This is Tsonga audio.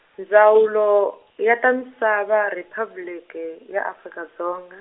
Ndzawulo, ya ta Misava Riphabliki ya Afrika Dzonga.